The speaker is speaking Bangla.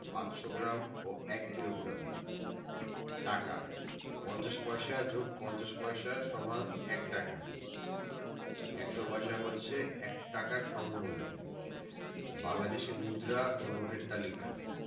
৫০০ গ্রাম ও ১ কিলোগ্রাম টাকাঃ ৫০ পয়সা + ৫০ পয়স = ১ টাকা ১০০ পয়সা হচ্ছে ১ টাকার সমমূল্যের বাংলাদেশি মুদ্রা ও নোটের তালিকা